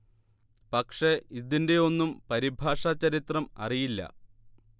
പക്ഷെ ഇതിന്റെ ഒന്നും പരിഭാഷ ചരിത്രം അറിയില്ല